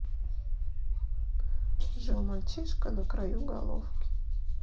жил мальчишка на краю головки